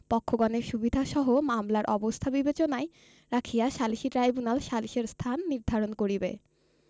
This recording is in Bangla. পক্ষগণের সুবিধাসহ মামলার অবস্থা বিবেচনায় রাখিয়া সালিসী ট্রইব্যুনাল সালিসের স্থান নির্ধারণ করিবে